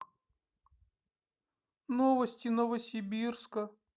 новости новосибирска